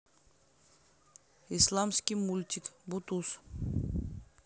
исламский мультик бутуз